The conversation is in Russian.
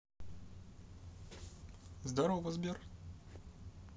здорово сбер